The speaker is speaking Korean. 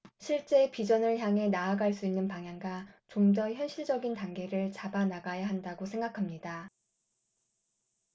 실제 비전을 향해 나아갈 수 있는 방향과 좀 더 현실적인 단계를 잡아 나가야 한다고 생각합니다